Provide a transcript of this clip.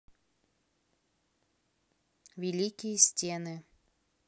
великие стены